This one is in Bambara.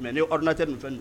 Mɛ haruna tɛ nin fɛn